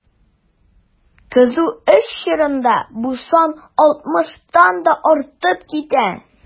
Кызу эш чорында бу сан 60 тан да артып китә.